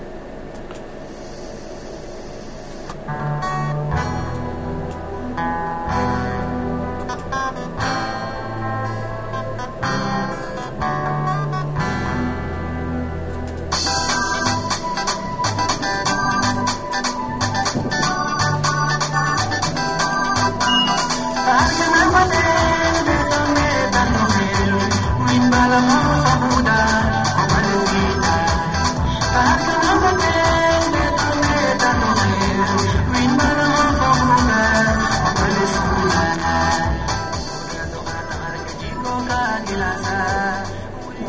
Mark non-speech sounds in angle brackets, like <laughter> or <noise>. <music>